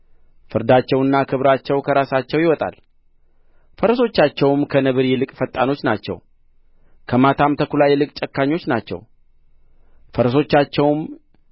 ፍርዳቸውና ክብራቸው ከራሳቸው ይወጣል ፈረሶቻቸውም ከነብር ይልቅ ፈጣኖች ናቸው ከማታም ተኵላ ይልቅ ጨካኞች ናቸው ፈረሰኞቻቸውም